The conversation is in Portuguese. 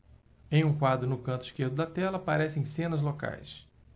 em um quadro no canto esquerdo da tela aparecem cenas locais